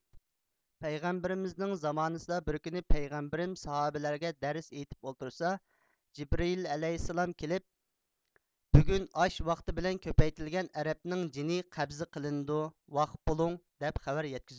پەيغەمبىرىمنىڭ زامانىسىدە بىر كۈنى پەيغەمبىرىم ساھابىلەرگە دەرس ئېيتىپ ئولتۇرسا جىبرىئىل ئەلەيھىسسالام كېلىپ بۈگۈن ئاش ۋاقتى بىلەن كۆپەيتىلگەن ئەرەبنىڭ جېنى قەبزە قىلىنىدۇ ۋاقىپ بولۇڭ دەپ خەۋەر يەتكۈزۈپتۇ